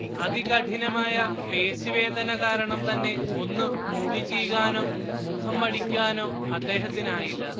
അതികഠിനമായ പേശി വേദന കാരണം തന്നെ ഒന്ന് മുടി ചീകാനോ മുഖം വടിക്കാനോ അദ്ദേഹത്തിനായില്ല